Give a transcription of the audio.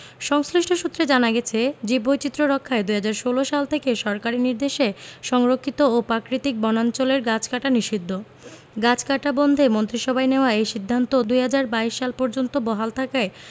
সংশ্লিষ্ট সূত্রে জানা গেছে জীববৈচিত্র্য রক্ষায় ২০১৬ সাল থেকে সরকারি নির্দেশে সংরক্ষিত ও প্রাকৃতিক বনাঞ্চলের গাছ কাটা নিষিদ্ধ গাছ কাটা বন্ধে মন্ত্রিসভায় নেয়া এই সিদ্ধান্ত ২০২২ সাল পর্যন্ত বহাল থাকায়